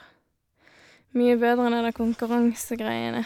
Mye bedre enn det der konkurranse-greiene.